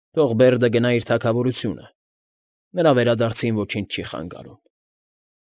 Թող Բերդը գնա իր թագավորությունը, նրա վերադարձին ոչինչ չի խանգարում։